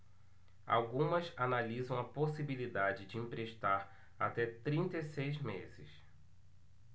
algumas analisam a possibilidade de emprestar até trinta e seis meses